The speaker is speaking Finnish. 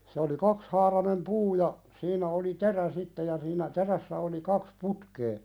se oli kaksihaarainen puu ja siinä oli terä sitten ja siinä terässä oli kaksi putkea